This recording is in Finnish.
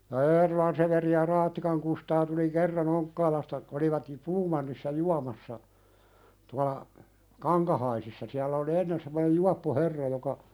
ja Eerolan Severi ja Raattikan Kustaa tuli kerran Onkkaalasta olivat ja Puumannissa juomassa tuolla Kankahaisissa siellä oli ennen semmoinen juoppo herra joka